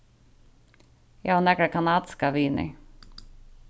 eg havi nakrar kanadiskar vinir